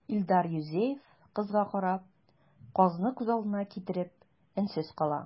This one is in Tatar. Илдар Юзеев, кызга карап, казны күз алдына китереп, өнсез кала.